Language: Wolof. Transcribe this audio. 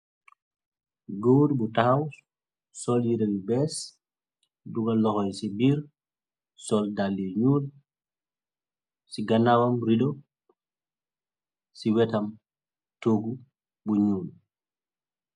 góore bu taaw sol yirayu bees du ga loxoy ci biir sol dalli ñuul ci ganaawam rido ci wetam tuggu bu ñuul